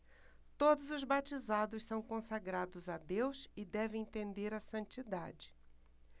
todos os batizados são consagrados a deus e devem tender à santidade